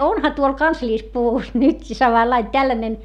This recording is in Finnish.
onhan tuolla kansallispuvussa nytkin samanlainen tällainen